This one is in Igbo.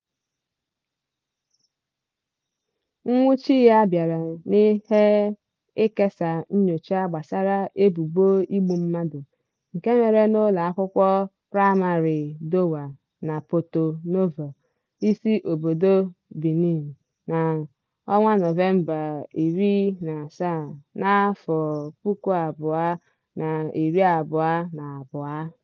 Nnwuchi ya bịara n'ihi ikesa nnyocha gbasara ebubo igbu mmadụ nke mere n'ụlọakwụkwọ praịmarị Dowa na Porto-Novo (isiobodo Benin) na Nọvemba 17, 2022.